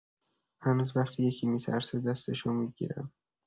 هنوز وقتی یکی می‌ترسه، دستشو می‌گیرم.